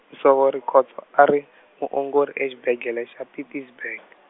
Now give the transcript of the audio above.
Nsovo Rikhotso a ri, muongori exibedlele xa Pietersburg.